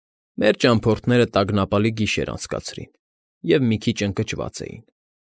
Մեր ճանապարհորդները տագնապալի գիշեր անցկացրին և մի քիչ ընկճված էին։